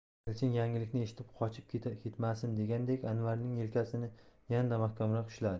elchin yangilikni eshitib qochib ketmasin degandek anvarning yelkasini yanada mahkamroq ushladi